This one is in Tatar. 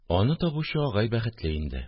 Аны табучы агай бәхетле инде